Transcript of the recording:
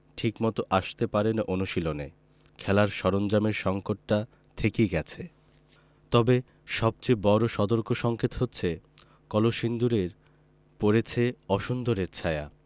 ঠিকমতো আসতে পারে না অনুশীলনে খেলার সরঞ্জামের সংকটটা থেকেই গেছে তবে সবচেয়ে বড় সতর্কসংকেত হচ্ছে কলসিন্দুরে পড়েছে অসুন্দরের ছায়া